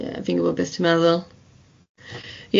Ie, fi'n gwbod beth ti'n meddwl.